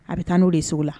A be taa n'o de ye sugu la